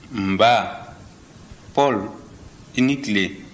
nba pɔl i ni tile